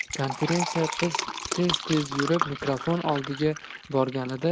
konferansye qiz tez tez yurib mikrofon oldiga borganida